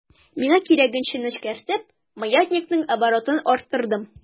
Миңа кирәгенчә нечкәртеп, маятникның оборотын арттырдым.